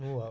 waaw